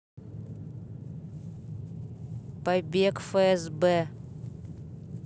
побег фсб